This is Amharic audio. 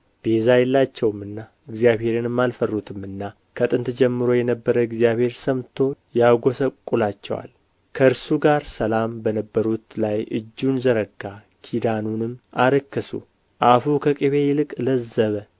ቤዛ የላቸውምና እግዚአብሔርንም አልፈሩትምና ከጥንት ጀምሮ የነበረ እግዚአብሔር ሰምቶ ያጐሰቍላቸዋል ከእርሱ ጋር ሰላም በነበሩት ላይ እጁን ዘረጋ ኪዳኑንም አረከሱ አፉ ከቅቤ ይልቅ ለዘበ